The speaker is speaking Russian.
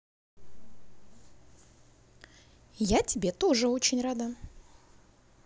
я тебе тоже очень рада